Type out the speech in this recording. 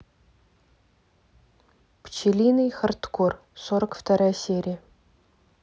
пчелиный хардкор сорок вторая серия